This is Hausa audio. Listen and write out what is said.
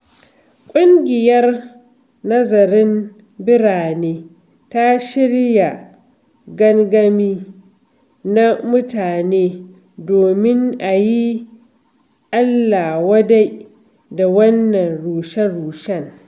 ƙungiyar Nazarin Birane ta shirya gangami na mutane domin a yi alla-wadai da wannan rushe-rushen.